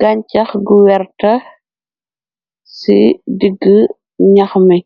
Gañcax gu werta ci diggi ñax mi